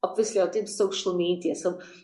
obviously o'dd dim social media so